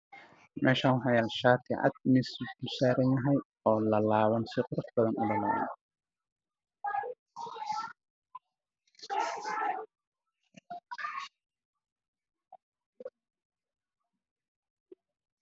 Meeshaan waxaa saaran shaati cad miis buu dul saaran yahay oo laa laaban si qurxan ulaa laaban